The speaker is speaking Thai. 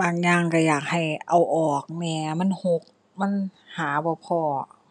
บางอย่างก็อยากให้เอาออกแหน่ มันก็ มันหาบ่พ้อ